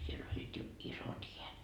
siellä olivat jo isot häät